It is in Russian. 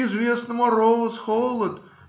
Известно, мороз, холод.